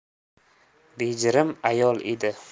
bejirim ayol edi